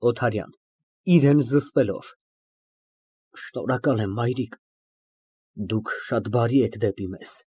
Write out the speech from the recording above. ՕԹԱՐՅԱՆ ֊ (Զսպելով իրեն) Շնորհակալ եմ, մայրիկ, դուք շատ բարի եք դեպի մեզ։